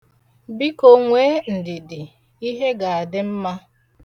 Biko, nwee ndidi, ihe ga-adị mma.